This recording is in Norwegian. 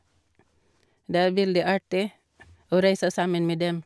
Det er veldig artig å reise sammen med dem.